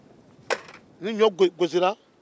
ni ɲɔ gosira